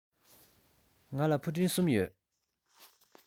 ང ལ ཕུ འདྲེན གསུམ ཡོད